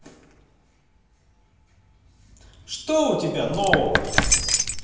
что у тебя нового